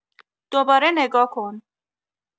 دوباره نگا کن